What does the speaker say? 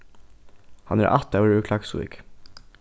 hann er ættaður úr klaksvík